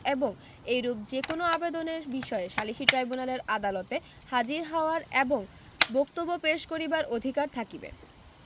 এবং এইরূপ যে কোন আবেদনের বিষয়ে সালিসী ট্রাইব্যূনালের আদালতে হাজির হওয়ার এবং বক্তব্য পেশ করিবার অধিকার থাকিবে